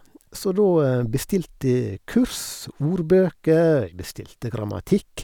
Så da bestilte jeg kurs, ordbøker, jeg bestilte grammatikk.